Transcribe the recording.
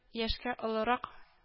Яшкә олорак